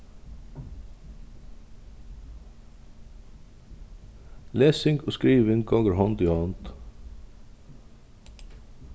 lesing og skriving gongur hond í hond